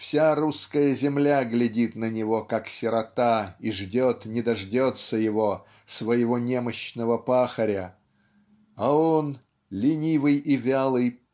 вся русская земля глядит на него как сирота и ждет не дождется его своего немощного пахаря а он ленивый и вялый